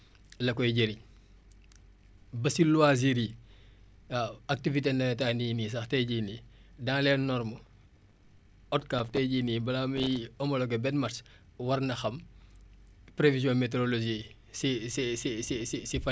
ba si loisir yi waaw activités nawetaan yii nii sax tey jii nii dans les normes ODCAV tey jii nii balaa muy homologué benn match war na xam prévision météorologie yi si si si si si si fan yim bugg a kii xam ndax dina taw wala du taw